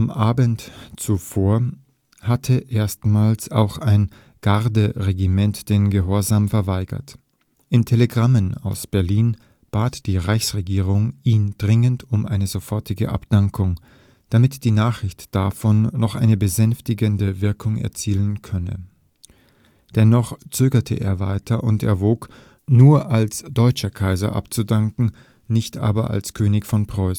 Abend zuvor hatte erstmals auch ein Garderegiment den Gehorsam verweigert. In Telegrammen aus Berlin bat die Reichsregierung ihn dringend um seine sofortige Abdankung, damit die Nachricht davon noch eine besänftigende Wirkung erzielen könne. Dennoch zögerte er weiter und erwog, nur als Deutscher Kaiser abzudanken, nicht aber als König von Preußen